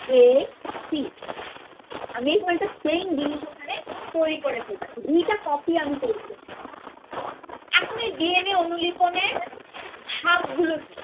এ C আমি এরকম একটা সেইম জিনিস এখানে তৈরি করে ফেলব দুইটা কপি আমি তৈরি করতে চাচ্ছি এখনই ডিএনএ অনুলিপন এর ধাপ গুলো কি কি